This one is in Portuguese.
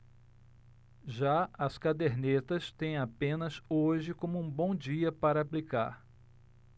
já as cadernetas têm apenas hoje como um bom dia para aplicar